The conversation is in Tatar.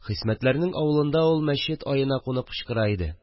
Хисмәтләрнең авылында ул мәчет аена кунып кычкыра иде